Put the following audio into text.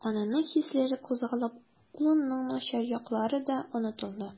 Ананың хисләре кузгалып, улының начар яклары да онытылды.